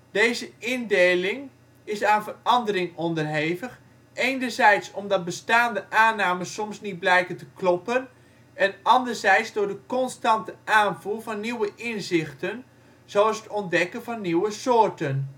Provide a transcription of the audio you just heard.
Deze indeling is aan verandering onderhevig, enerzijds omdat bestaande aannames soms niet blijken te kloppen en anderzijds door de constante aanvoer van nieuwe inzichten, zoals het ontdekken van nieuwe soorten